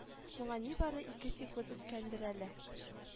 Моңа нибары ике секунд үткәндер әле